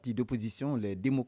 Tɛ dopsiw la denmuso